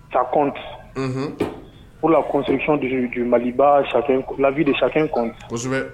Sa kɔnte o la kɔntion deju maliba sa laabi de sa